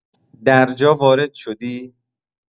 درجا وارد شدی؟